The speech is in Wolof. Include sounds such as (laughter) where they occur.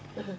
(hesitation) (hesitation)